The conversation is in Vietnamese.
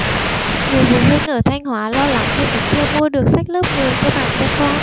nhiều phụ huynh ở thanh hóa lo lắng khi vẫn chưa mua được sách lớp mười cơ bản cho con